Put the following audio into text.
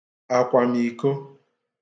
àkwàmiko